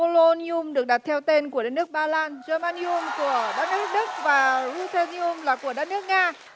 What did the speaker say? pô lô ni um được đặt theo tên của đất nước ba lan dơ ma ni um của đất nước đức và ru pê ni um là của đất nước nga